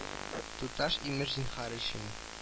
Туташ имеш зин ар өчен